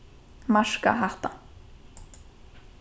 marka hatta